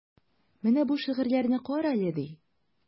Менә бу шигырьләрне карале, ди.